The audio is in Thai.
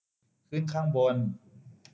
ขึ้นข้างบน